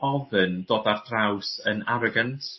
ofyn dod ar draws yn arragant.